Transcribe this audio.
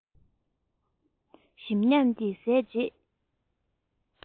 ཞིམ ཉམས ཀྱིས བཟས རྗེས